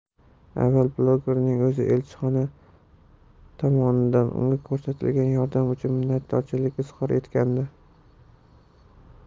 avval blogerning o'zi elchixona tomonidan unga ko'rsatilgan yordam uchun minnatdorlik izhor etgandi